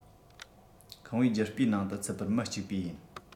ཁང པའི རྒྱུ སྤུས ནང དུ ཚུད པར མི གཅིག པས ཡིན